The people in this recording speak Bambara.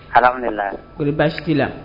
Ko baasi la